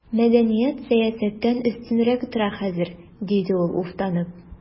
Мәдәният сәясәттән өстенрәк тора хәзер, диде ул уфтанып.